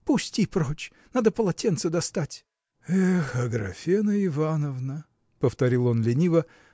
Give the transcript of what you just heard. – Пусти прочь: надо полотенце достать. – Эх, Аграфена Ивановна!. – повторил он лениво